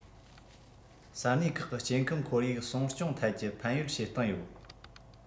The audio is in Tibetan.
ས གནས ཁག གི སྐྱེ ཁམས ཁོར ཡུག སྲུང སྐྱོང ཐད ཀྱི ཕན ཡོད བྱེད སྟངས ཡོད